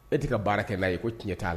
E ti ka baara kɛ na ye ko tiɲɛ ta la